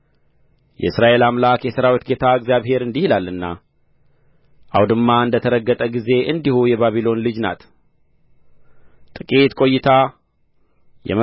የእስራኤል አምላክ የሠራዊት ጌታ እግዚአብሔር እንዲህ ይላልና አውድማ እንደ ተረገጠ ጊዜ እንዲሁ የባቢሎን ልጅ ናት ጥቂት ቈይታ የመከር ጊዜ